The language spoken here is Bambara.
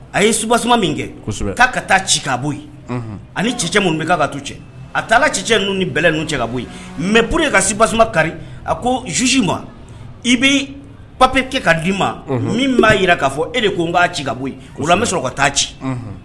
A yebas min kɛ k'a ka taa ci ka bɔ ye ani ci cɛ minnu bɛ k'a ka tu cɛ a taa ci cɛ ninnu ni bɛ ninnu cɛ ka bɔ ye mɛ p ye kabas kari a ko zusi ma i bɛ papi kɛ k ka d' ii ma min b'a jira k'a fɔ e de ko n b'a ci ka bɔ n bɛ sɔrɔ ka taa ci